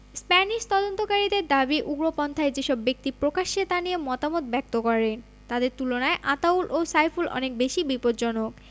Spanish তদন্তকারীদের দাবি উগ্রপন্থায় যেসব ব্যক্তি প্রকাশ্যে তা নিয়ে মতামত ব্যক্ত করেন তাদের তুলনায় আতাউল ও সাইফুল অনেক বেশি বিপজ্জনক